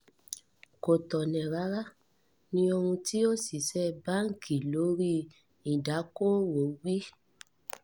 Kò tọ̀nà rárá,” ni ohun tí òṣìṣẹ́ báǹkì lórí ìdókòwò wí,